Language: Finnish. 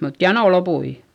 mutta jano loppui